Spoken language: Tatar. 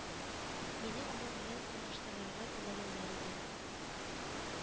Мине аның белән таныштырырга теләгәннәр иде